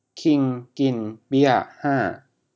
คิงกินเบี้ยห้า